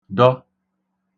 dọ